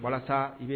Walasa i